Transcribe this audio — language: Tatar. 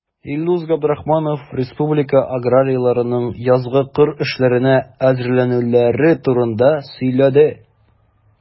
Илдус Габдрахманов республика аграрийларының язгы кыр эшләренә әзерләнүләре турында сөйләде.